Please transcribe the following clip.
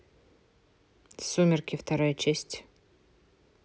сумерки вторая часть